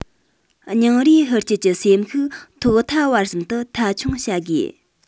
སྙིང རུས ཧུར སྐྱེད ཀྱི སེམས ཤུགས ཐོག མཐའ བར གསུམ དུ མཐའ འཁྱོངས བྱ དགོས